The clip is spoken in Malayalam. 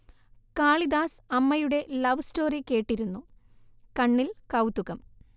കാളിദാസ് അമ്മയുടെ ലവ് സ്റ്റോറി കേട്ടിരുന്നു കണ്ണിൽ കൗതുകം